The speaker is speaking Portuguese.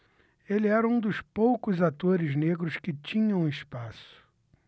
ele era um dos poucos atores negros que tinham espaço